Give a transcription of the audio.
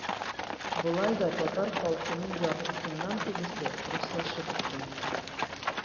Болай да татар халкының яртысыннан күбесе - руслашып беткән.